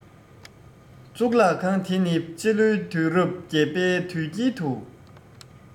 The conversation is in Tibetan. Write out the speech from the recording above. གཙུག ལག ཁང དེ ནི སྤྱི ལོའི དུས རབས ༨ པའི དུས དཀྱིལ དུ